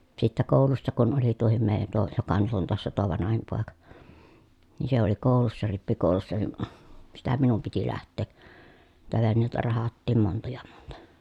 sitten koulussa kun oli tuokin meidän tuo joka nyt on taassa tuo vanhin poika niin se oli koulussa rippikoulussa niin sitä minun piti lähteä niitä veneitä rahdattiin monta ja monta